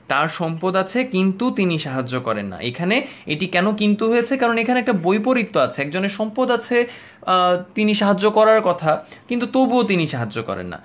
তার সম্পদ আছে কিন্তু তিনি সাহায্য করে না এখানে এটি কেন কিন্তু হয়েছে কারণ এখানে একটা বৈপরীত্য আছে একজনের সম্পদ আছে তিনি সাহায্য করার কথা কিন্তু তবুও তিনি সাহায্য করেন না